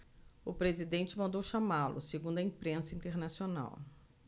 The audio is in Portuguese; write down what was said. o presidente mandou chamá-lo segundo a imprensa internacional